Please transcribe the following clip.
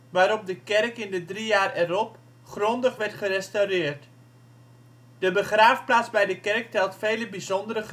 waarop de kerk in de drie jaar erop grondig werd gerestaureerd. De begraafplaats bij de kerk telt vele bijzondere grafdichten